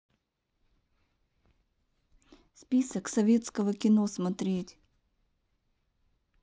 список советского кино смотреть